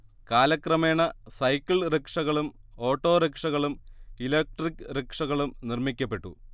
കാലക്രമേണ സൈക്കിൾ റിക്ഷകളും ഓട്ടോറിക്ഷകളും ഇലക്ട്രിക് റിക്ഷകളും നിർമ്മിക്കപ്പെട്ടു